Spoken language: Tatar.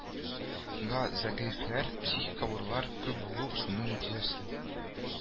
Га зәгыйфьләр, психик авырулар күп булу шуның нәтиҗәсе